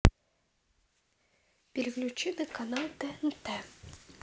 переключи на канал тнт